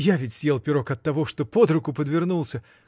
— Я ведь съел пирог оттого, что под руку подвернулся.